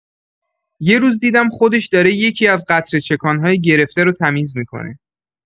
یه روز دیدم خودش داره یکی‌از قطره‌چکان‌های گرفته رو تمیز می‌کنه.